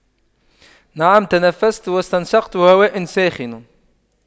نعم تنفست واستنشقت هواء ساخن